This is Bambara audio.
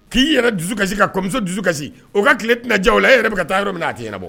K'i yɛrɛ dusu kasi ka kɔmuso dusu kasi o ka tile tɛnaja e yɛrɛ ka taa yɔrɔ min' a tɛ ɲɛna bɔ